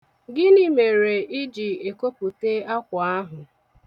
Gịnị mere ị ji ekopute akwa ahụ.